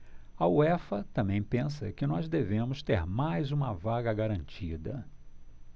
a uefa também pensa que nós devemos ter mais uma vaga garantida